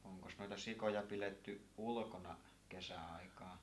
onkos noita sikoja pidetty ulkona kesäaikaan